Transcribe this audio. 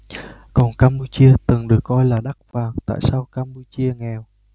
còn campuchia từng được coi là đất vàng tại sao campuchia nghèo